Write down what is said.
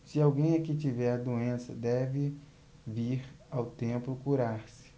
se alguém aqui tiver a doença deve vir ao templo curar-se